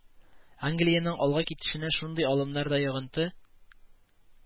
Англиянең алга китешенә шундый алымнар да йогынты